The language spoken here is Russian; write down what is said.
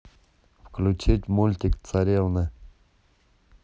включить мультик царевны